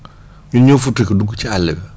ñun ñoo futteeku dugg ci àll ba